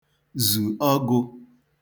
zù ọgụ̄